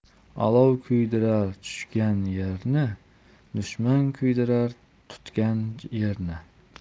olov kuydirar tushgan yerini dushman kuydirar tutgan yerini